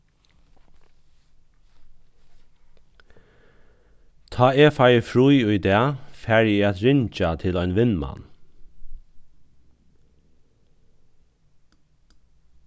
tá eg fái frí í dag fari eg at ringja til ein vinmann